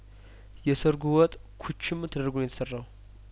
የሰርጉ ወጥ ኩችም ተደርጐ ነው የተሰራው